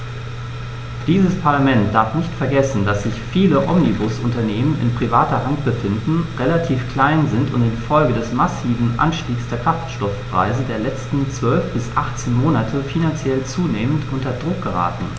Dieses Parlament darf nicht vergessen, dass sich viele Omnibusunternehmen in privater Hand befinden, relativ klein sind und in Folge des massiven Anstiegs der Kraftstoffpreise der letzten 12 bis 18 Monate finanziell zunehmend unter Druck geraten.